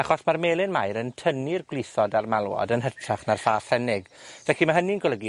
achos ma'r Melyn Mair yn tynnu'r gwlithod a'r malwod yn hytrach na'r ffa Ffrenig. Felly, ma' hynny'n golygu